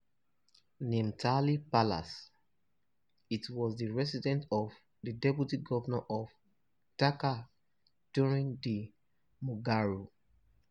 Nimtali Palace, it was the residence of the Deputy Governor of Dhaka during the Mughal rule.